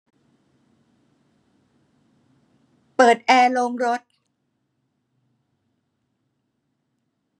เปิดแอร์โรงรถ